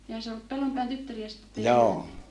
jaa se oli Pellonpään tyttäriä sitten teidän emäntä